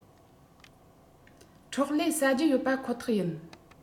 ཁྲོག ལེ ཟ རྒྱུ ཡོད པ ཁོ ཐག ཡིན